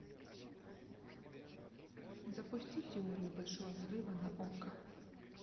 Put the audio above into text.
запусти теорию большого взрыва на окко